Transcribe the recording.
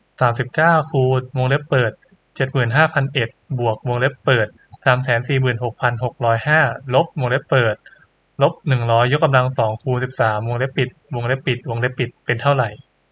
สามสิบเก้าคูณวงเล็บเปิดเจ็ดหมื่นห้าพันเอ็ดบวกวงเล็บเปิดสามแสนสี่หมื่นหกพันหกร้อยห้าลบวงเล็บเปิดลบหนึ่งร้อยยกกำลังสองคูณสิบสามวงเล็บปิดวงเล็บปิดวงเล็บปิดเป็นเท่าไร